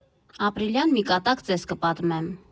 Ապրիլյան մի կատակ֊ծես կպատմեմ։